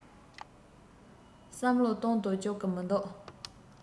བསམ བློ གཏོང དུ བཅུག གི མི འདུག